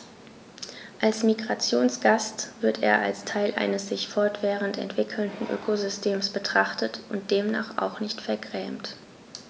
Als Migrationsgast wird er als Teil eines sich fortwährend entwickelnden Ökosystems betrachtet und demnach auch nicht vergrämt.